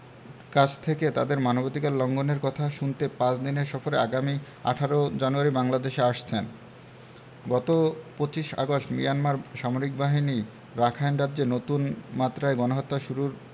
কাছ থেকে তাদের মানবাধিকার লঙ্ঘনের কথা শুনতে পাঁচ দিনের সফরে আগামী ১৮ জানুয়ারি বাংলাদেশে আসছেন গত ২৫ আগস্ট মিয়ানমার সামরিক বাহিনী রাখাইন রাজ্যে নতুন মাত্রায় গণহত্যা শুরুর